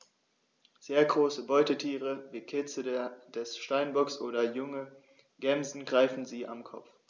Sehr große Beutetiere wie Kitze des Steinbocks oder junge Gämsen greifen sie am Kopf.